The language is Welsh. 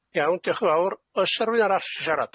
Iawn, diolch yn fowr. Oes 'a r'wyn arall isio siarad?